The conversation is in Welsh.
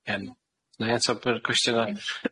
Yym nâi atab yr cwestiwn 'na.